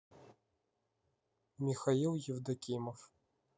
михаил евдокимов